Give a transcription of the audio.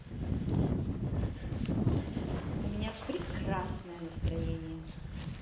у меня прекрасное настроение